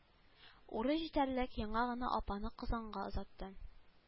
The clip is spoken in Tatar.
Урын җитәрлек яңа гына апаны казанга озаттым